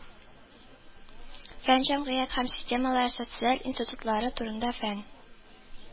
Фән җәмгыять, һәм системалары, социаль институтлары турында фән